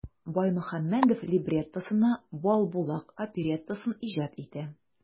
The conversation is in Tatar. Баймөхәммәдев либреттосына "Балбулак" опереттасын иҗат итә.